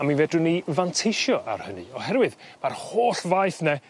A mi fedrwn ni fanteisio ar hynny oherwydd ma'r holl faeth 'ne